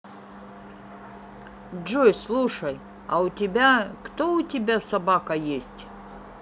джой слушай а у тебя кто у тебя собака есть